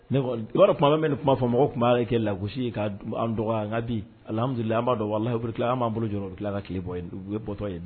Tuma min kuma'a fɔ mɔgɔ tun' kɛ la gosi ye ka dɔgɔ nka dihamududulila an b' dɔn ala lahidu an b'an bolo jɔ tila ka bɔ ye bɔtɔ ye dɛ